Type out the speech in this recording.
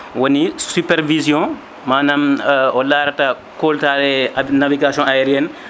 woni supervision maname o laarata ** navigation aérienne